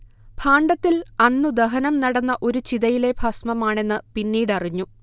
ഭാണ്ഡത്തിൽ അന്നു ദഹനം നടന്ന ഒരു ചിതയിലെ ഭസ്മമാണെന്ന് പിന്നീടറിഞ്ഞു